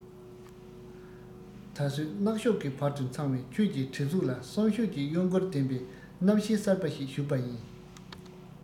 ད བཟོད སྣག ཤོག གི བར དུ འཚང བའི ཁྱོད ཀྱི གྲིབ གཟུགས ལ གསོན ཤུགས ཀྱི གཡོ འགུལ ལྡན པའི རྣམ ཤེས གསར པ ཞིག ཞུགས པ ཡིན